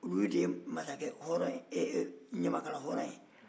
olu de ye ɲamakala hɔrɔn ye